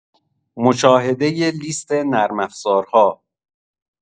مشاهده لیست نرم‌افزارها